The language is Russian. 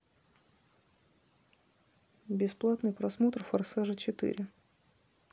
бесплатный просмотр форсажа четыре